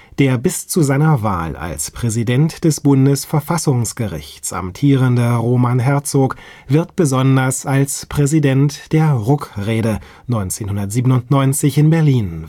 Der bis zu seiner Wahl als Präsident des Bundesverfassungsgerichts amtierende Roman Herzog wird besonders als Präsident der Ruck-Rede in Berlin 1997 wahrgenommen